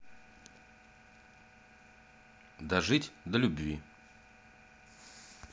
дожить до любви